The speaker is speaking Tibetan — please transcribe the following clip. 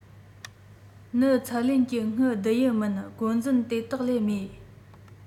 ནི ཚད ལེན གྱི དངུལ བསྡུ ཡི མིན སྒོ འཛིན དེ དག ལས མེད